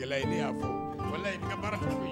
n'i y'a fɔ walahi i ka baara